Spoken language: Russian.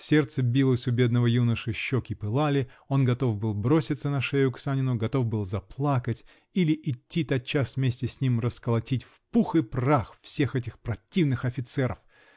Сердце билось у бедного юноши, щеки пылали, он готов был броситься на шею к Санину, готов был заплакать или идти тотчас вместе с ним расколотить в пух и прах всех этих противных офицеров!